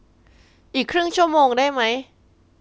อีกครึ่งชั่วโมงได้ไหม